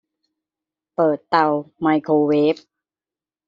เปิดเตาไมโครเวฟ